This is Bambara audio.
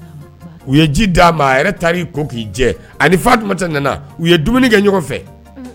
U ye ji d di ma ta ko ki jɛ ani fatumatɛ u ye dumuni kɛ ɲɔgɔn fɛ